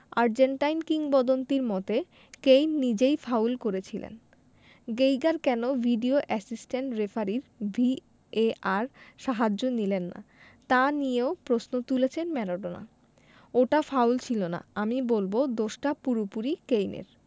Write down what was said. Argentine কিংবদন্তির মতে Kane নিজেই ফাউল করেছিলেন গেইগার কেন ভিডিও অ্যাসিস্ট্যান্ট রেফারির ভিএআর সাহায্য নিলেন না তা নিয়েও প্রশ্ন তুলেছেন ম্যারাডোনা ওটা ফাউল ছিল না আমি বলব দোষটা পুরোপুরি কেইনের